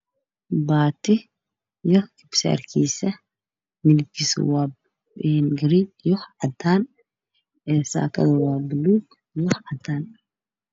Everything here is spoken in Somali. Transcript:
Waa baati iyo garbasaartiisa midabkiisu waa garee iyo cadaan, saakada waa buluug iyo cadaan.